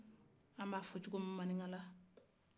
an bɛ a fɔ cogomi manikala